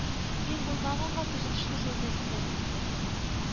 Тиң булмаганга күзе төште шул Нәсимәнең